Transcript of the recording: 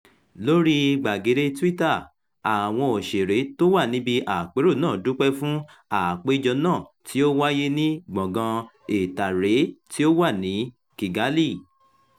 Lóríi gbàgede Twitter, àwọn òṣèré tó wà níbi àpérò náà dúpẹ́ fún àpéjọ náà tí ó wáyé ní gbọ̀ngan Intare tí ó wà ní Kigali: